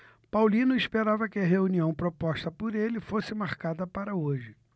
paulino esperava que a reunião proposta por ele fosse marcada para hoje